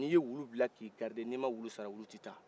ni ye wulu bila k'i garde n'i ma wulu sara wulu t'i taa